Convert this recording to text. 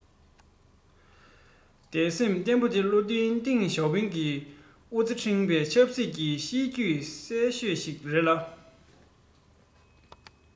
དད སེམས བརྟན པོ དེ བློ མཐུན ཏེང ཞའོ ཕིང གི སྐུ ཚེ ཧྲིལ པོའི ཆབ སྲིད ཀྱི གཤིས རྒྱུད གསལ ཤོས ཤིག རེད ལ